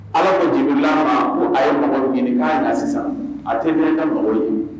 Ala ko jigi lamɔ ko a ye mago ɲini k'a ye na sisan a tɛ ne ka mago ɲini